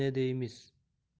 biz ne deymiz